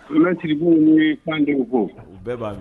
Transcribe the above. U bɛ siribugu ni ye sandenw ko bɛɛba